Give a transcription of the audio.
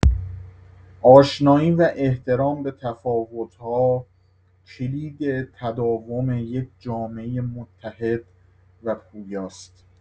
آشنایی و احترام به تفاوت‌ها، کلید تداوم یک جامعه متحد و پویاست؛